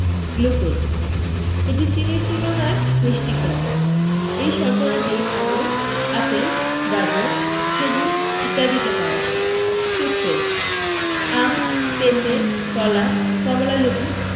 glucose এটি চিনির তুলনায় মিষ্টি কম এই শর্করাটি আঙুর আপেল গাজর খেজুর ইত্যাদিতে পাওয়া যায় ফ্রুকটোজ আম পেপে কলা কমলালেবু